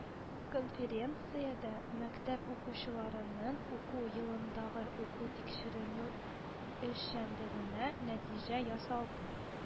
Конференциядә мәктәп укучыларының уку елындагы уку-тикшеренү эшчәнлегенә нәтиҗә ясалды